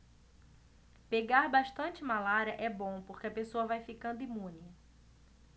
pegar bastante malária é bom porque a pessoa vai ficando imune